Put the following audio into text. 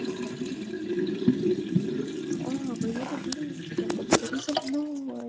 ava я тебя люблю повтори за мной